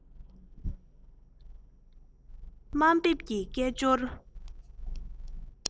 དམའ འབེབས ཀྱི སྐད ཅོར